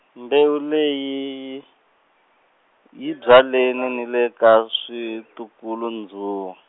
mbewu leyi, yi byaleni ni le ka switukulu-ndzhuwa.